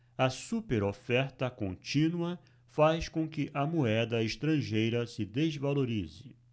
a superoferta contínua faz com que a moeda estrangeira se desvalorize